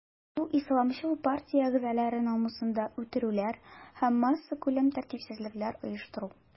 Бу исламчыл партия әгъзалары намусында үтерүләр һәм массакүләм тәртипсезлекләр оештыру.